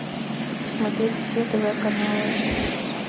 смотреть все тв каналы